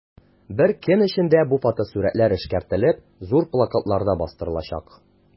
Бер көн эчендә бу фотосурәтләр эшкәртелеп, зур плакатларда бастырылачак.